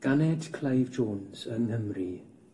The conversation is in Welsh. Ganed Clive Jones yng Nghymru